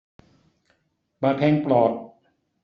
เปิดเพลงโปรด